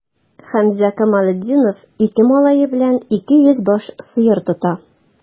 Хәмзә Камалетдинов ике малае белән 200 баш сыер тота.